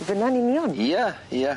Fynna'n union? Ie ie.